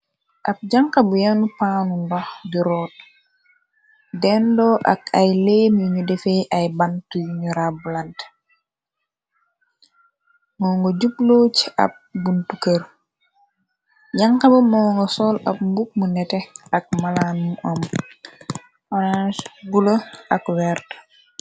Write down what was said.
ab jànxa bu yannu paanu ngax ju root dendoo ak ay leem yuñu defee ay bantu nu rab lant moo nga jugloo ci ab buntu kër jànxaba moo nga sool ab mbuk mu nete ak malaanu am orange bula ak werte